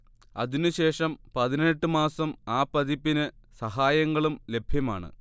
അതിനു ശേഷം പതിനെട്ട് മാസം ആ പതിപ്പിന് സഹായങ്ങളും ലഭ്യമാണ്